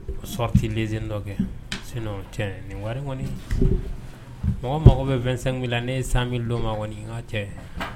Sɔrɔti len dɔ kɛ sin cɛ nin wari mɔgɔ mago bɛ bɛsenla ne san don maɔgɔn cɛ